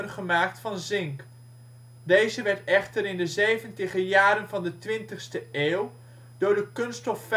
gemaakt van zink. Deze werd echter in de zeventiger jaren van de twintigste eeuw door de kunststof